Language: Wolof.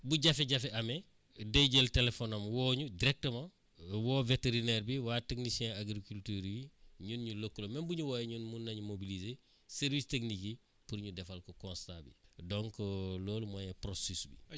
bu jafe-jafe amee day jël téléphone am woo ñu directement woo vétérinaire bi waa techniciens agriculture yi ñun ñu lëkkaloo même bu ñu woowee ñun mun nañu mobiliser services techniques yi pour ñu defal ko constat bi donc loolu mooy processus